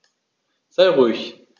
Sei ruhig.